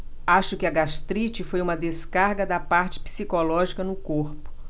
acho que a gastrite foi uma descarga da parte psicológica no corpo